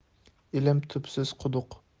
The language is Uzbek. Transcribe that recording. ilm tubsiz quduq